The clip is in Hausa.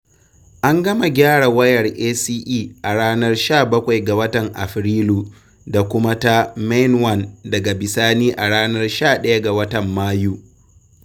An gama gyaran wayar ACE a ranar 17 ga watan Afirilu da kuma ta 'MainOne' daga bisani a ranar 11 ga watan Mayu.